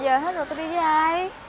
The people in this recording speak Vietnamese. về hết rồi tui đi với ai